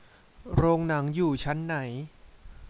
โรงหนังอยู่ชั้นไหน